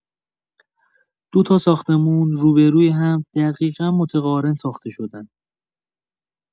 دوتا ساختمون روبه‌روی هم دقیقا متقارن ساخته‌شدن.